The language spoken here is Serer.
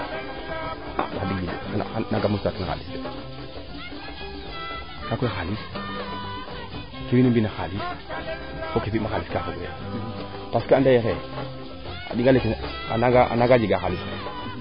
nangaam o sutaa teen xalis sookoy xalis parce que andeye xaye a ɗinga leeke a naanga jega xalis